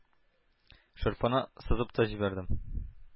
Шырпыны сызып та җибәрдем.